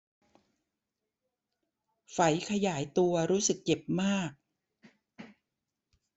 ไฝขยายตัวรู้สึกเจ็บมาก